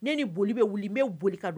N ni boli bɛ wuli n bolika don